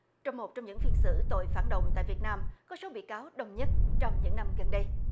trong một trong những phiên xử tội phản động tại việt nam có số bị cáo đồng nhất trong những năm gần đây